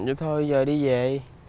được thôi giờ đi dề